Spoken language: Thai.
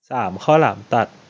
สามข้าวหลามตัด